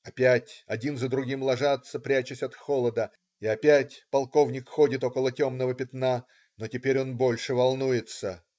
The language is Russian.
Опять один за другим ложатся, прячась от холода, и опять полковник ходит около темного пятна, но теперь он больше волнуется.